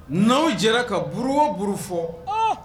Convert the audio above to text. N'aw jɛra ka bɔgɔ buru fɔ